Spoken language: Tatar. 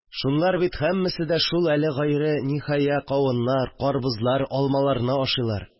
Шунлар бит һәммәсе дә шул әле гайре ниһайә кавыннар, карбызлар, алмаларны ашыйлар